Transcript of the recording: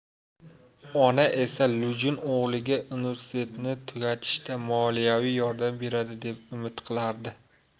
ona esa lujin o'g'liga universitetni tugatishda moliyaviy yordam beradi deb umid qilardi